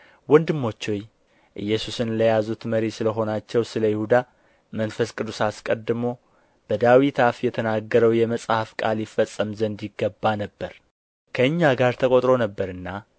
ወንድሞች ሆይ ኢየሱስን ለያዙት መሪ ስለሆናቸው ስለ ይሁዳ መንፈስ ቅዱስ አስቀድሞ በዳዊት አፍ የተናገረው የመጽሐፍ ቃል ይፈጸም ዘንድ ይገባ ነበር ከእኛ ጋር ተቈጥሮ ነበርና